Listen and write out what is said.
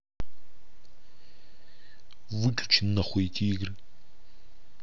выключи на хуй эти игры